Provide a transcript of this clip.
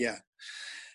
Ia.